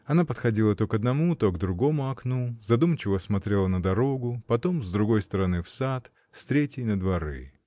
Она подходила то к одному, то к другому окну, задумчиво смотрела на дорогу, потом с другой стороны в сад, с третьей на дворы.